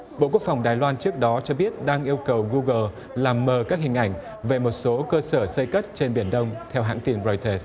bộ quốc phòng đài loan trước đó cho biết đang yêu cầu gu gờ làm mờ các hình ảnh về một số cơ sở xây cất trên biển đông theo hãng tin rai tơ